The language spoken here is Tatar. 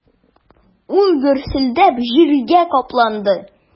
Ул гөрселдәп җиргә капланды.